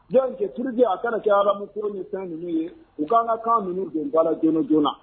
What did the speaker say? yani o cɛ tourisme a kana kɛ arabu fɛn ninnu ye, u ka an ka kan ninnu do bala don joona na